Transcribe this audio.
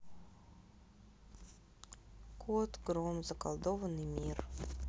кот гром заколдованный мир